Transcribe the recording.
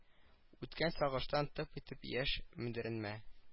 Үткән сагыштан тып итеп яшь мендәремә